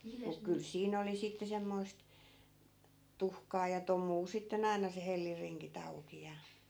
mutta kyllä siinä oli sitten semmoista tuhkaa ja tomua sitten aina se hellinringit auki ja